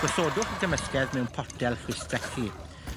Gosodwch y gymysgedd mewn potel chwistrechi.